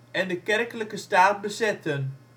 en de Kerkelijke Staat bezetten